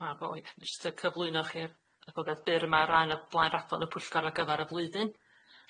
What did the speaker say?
Ma'n boi jyst yy cyflwyno chi'r yy boddedd byr yma o ran y blaen raglan y pwllgor ar gyfar y flwyddyn.